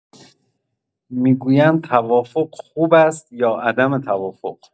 می‌گویند توافق خوب است یا عدم توافق؟